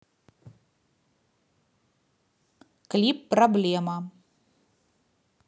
клип проблема